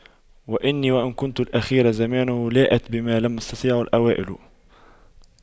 وإني وإن كنت الأخير زمانه لآت بما لم تستطعه الأوائل